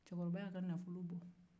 cɛkɔrɔba y'a ka nafolo bɔ